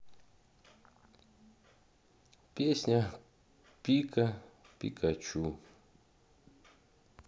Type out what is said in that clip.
песню пика пикачу